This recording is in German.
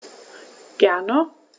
Gerne.